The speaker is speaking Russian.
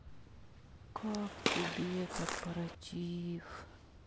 как тебе корпоратив